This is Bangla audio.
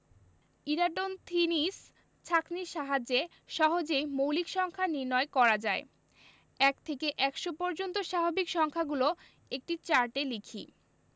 ইরাটোন্থিনিস ছাঁকনির সাহায্যে সহজেই মৌলিক সংখ্যা নির্ণয় করা যায় ১ থেকে ১০০ পর্যন্ত স্বাভাবিক সংখ্যাগুলো একটি চার্টে লিখি